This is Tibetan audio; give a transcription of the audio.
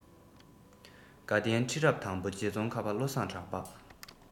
དགའ ལྡན ཁྲི རབས དང པོ རྗེ ཙོང ཁ པ བློ བཟང གྲགས པ